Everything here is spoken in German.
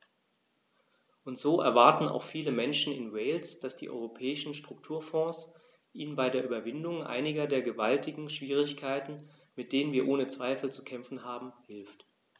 Und so erwarten auch viele Menschen in Wales, dass die Europäischen Strukturfonds ihnen bei der Überwindung einiger der gewaltigen Schwierigkeiten, mit denen wir ohne Zweifel zu kämpfen haben, hilft.